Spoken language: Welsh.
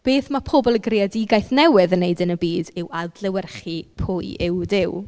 Beth ma' pobl y greadigaeth newydd yn ei wneud yn y byd yw adlewyrchu pwy yw Duw.